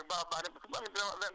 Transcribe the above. ci xa xam nga du la wàññi dara